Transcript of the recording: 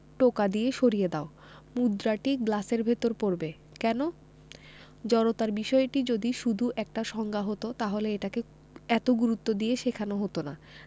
টোকা দিয়ে সরিয়ে দাও মুদ্রাটি গ্লাসের ভেতর পড়বে কেন জড়তার বিষয়টি যদি শুধু একটা সংজ্ঞা হতো তাহলে এটাকে এত গুরুত্ব দিয়ে শেখানো হতো না